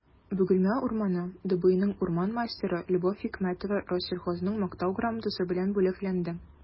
«бөгелмә урманы» дбинең урман мастеры любовь хикмәтова рослесхозның мактау грамотасы белән бүләкләнде